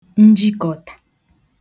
njikọta